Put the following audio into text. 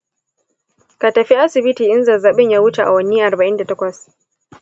ka tafi asibiti in zazzabin ya wuce awanni arba'in da takwas.